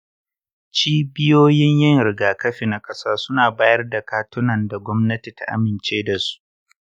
cibiyoyin yin rigakafi na ƙasa suna bayar da katunan da gwamnati ta amince da su.